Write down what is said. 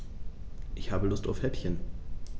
Ich habe Lust auf Häppchen.